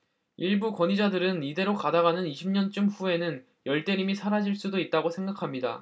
일부 권위자들은 이대로 가다가는 이십 년쯤 후에는 열대림이 사라질 수도 있다고 생각합니다